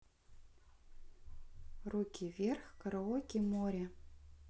руки вверх караоке море